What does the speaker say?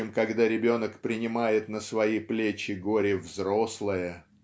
чем когда ребенок принимает на свои плечи горе взрослое.